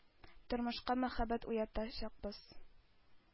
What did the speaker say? – тормышка мәхәббәт уятучыбыз,